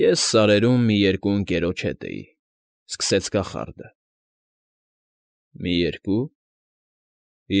Ես սարերում մի երկու ընկերոջ հետ էի…֊ սկսեց կախարդը։ ֊ Մի երկո՞ւ։